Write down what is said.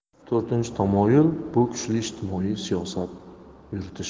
to'rtinchi tamoyil bu kuchli ijtimoiy siyosat yuritish